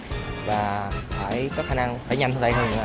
và phải có khả năng phải nhanh tay hơn nữa